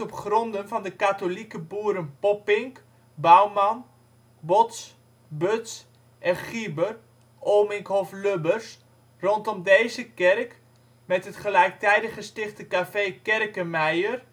gronden van de katholieke boeren Poppink (Bouwman), Bots (Butz) en Gieber (Olminkhof/Lubbers). Rondom deze kerk, met het gelijktijdig gestichte café Kerkemeijer